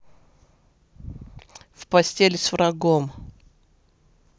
в постели с врагом